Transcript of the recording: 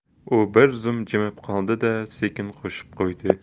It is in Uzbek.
u bir zum jimib qoldi da sekin qo'shib qo'ydi